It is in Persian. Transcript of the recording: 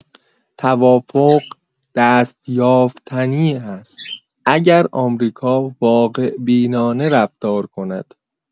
توافق دست‌یافتنی است اگر آمریکا واقع‌بینانه رفتار کند.